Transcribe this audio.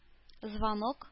Звонок